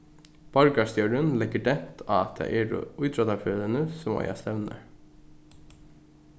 borgarstjórin leggur dent á at tað eru ítróttafeløgini sum eiga stevnurnar